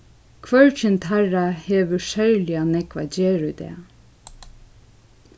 hvørgin teirra hevur serliga nógv at gera í dag